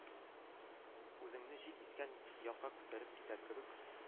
Үзеңне җил искән якка күтәреп китәр кебек